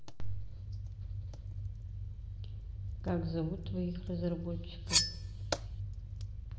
как зовут твоих разработчиков